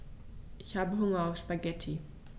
Ich habe Hunger auf Spaghetti.